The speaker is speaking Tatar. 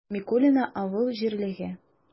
Микулино авыл җирлеге